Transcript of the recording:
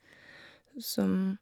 Som...